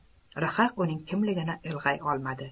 rhaq uning kimligini ilg'ay olmadi